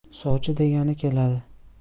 sovchi degani keladi